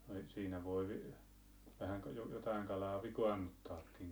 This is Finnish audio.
no siinä voi vähän jotakin kalaa vikaannuttaakin